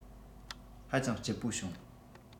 ཧ ཅང སྐྱིད པོ བྱུང